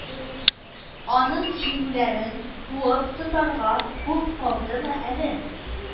Аның җиңүләрен куып тотарга күп калдымы әле